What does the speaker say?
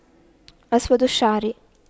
اسود الشعر